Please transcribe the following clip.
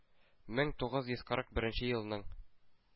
Мең тугыз йөз кырык беренче елның